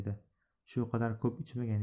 shu qadar ko'p ichmagan edi